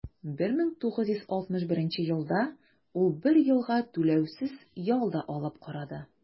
1961 елда ул бер елга түләүсез ял да алып карады.